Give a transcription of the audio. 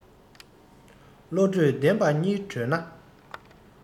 བློ གྲོས ལྡན པ གཉིས བགྲོས ན